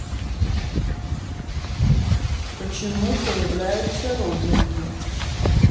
почему появляются родинки